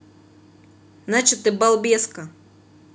значит ты балбеска